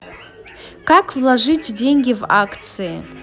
как вложить деньги в акции